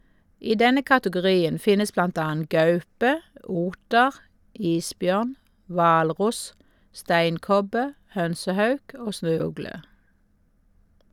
I denne kategorien finnes blant annet gaupe, oter, isbjørn, hvalross, steinkobbe, hønsehauk og snøugle.